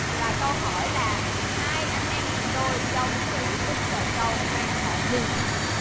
và câu hỏi là hai anh em sinh đôi trong sự tích trầu cau mang họ gì